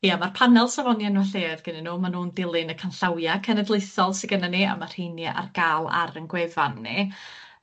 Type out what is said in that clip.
Ia, ma'r panel safoni enwa' lleodd gennyn nw, ma' nw'n dilyn y canllawia cenedlaethol sy gennyn ni, a ma' rheini ar ga'l ar 'yn gwefan ni.